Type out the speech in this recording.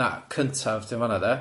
Na cyntaf dio'n fanna de?